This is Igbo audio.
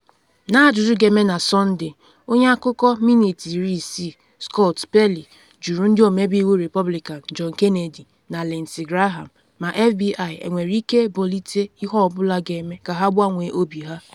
N’ajụjụ ga-eme na Sọnde, onye akụkọ “60 Minutes” Scott Pelley jụrụ ndị Ọmebe Iwu Repọblikan John Kennedy na Lindsey Graham ma FBI enwere ike bọlite ihe ọ bụla ga-eme ka ha gbanwee obi ha.